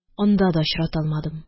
Анда да очрата алмадым